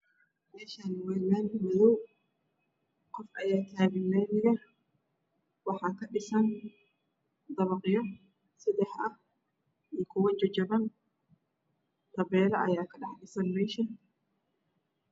Meshan waa lami madow qof aya tagan lamiga waxa kadhisan dabaqyo sedax ah io kuba jajaban tabeylo aya kadhex dhisan mesh